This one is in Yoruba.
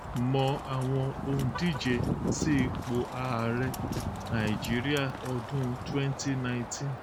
Mọ àwọn òǹdíje sí ipò ààrẹ Nàìjíríà ọdún 2019